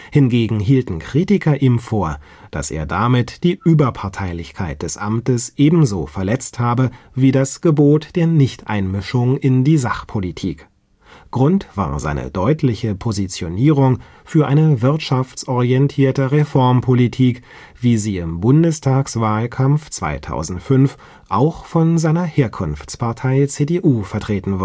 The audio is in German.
Hingegen hielten Kritiker ihm vor, dass er damit die Überparteilichkeit des Amtes ebenso verletzt habe wie das Gebot der Nichteinmischung in die Sachpolitik. Grund war seine deutliche Positionierung für eine wirtschaftorientierte Reformpolitik, wie sie im Bundestagswahlkampf 2005 auch von seiner Herkunftspartei CDU vertreten